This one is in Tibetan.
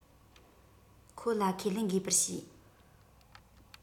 ཁོ ལ ཁས ལེན དགོས པར བྱས